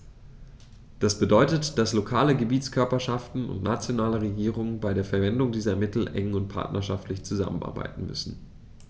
Das bedeutet, dass lokale Gebietskörperschaften und nationale Regierungen bei der Verwendung dieser Mittel eng und partnerschaftlich zusammenarbeiten müssen.